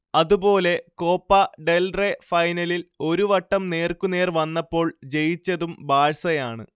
അതുപോലെ Copa del Rey ഫൈനലിൽ ഒരു വട്ടം നേർക്കുനേർ വന്നപ്പോൾ ജയിച്ചതും ബാഴ്സയാണ്